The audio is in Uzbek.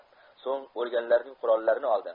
so'ng o'lganlarning qurollarini oldi